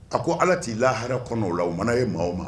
A ko ala t'i lahara kɔnɔ o la o mana ye maa ma